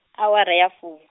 awara ya fumi.